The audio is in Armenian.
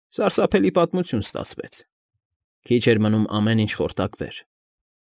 Սարսափելի պատմություն ստացվեց։ Քիչ էր մնում ամեն ինչ խորտակվեր։